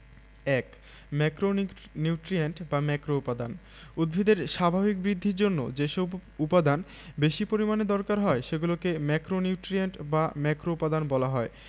১ macronutrient বা ম্যাক্রোউপাদান উদ্ভিদের স্বাভাবিক বৃদ্ধির জন্য যেসব উপাদান বেশি পরিমাণে দরকার হয় সেগুলোকে ম্যাক্রোনিউট্রিয়েন্ট বা ম্যাক্রোউপাদান বলা হয়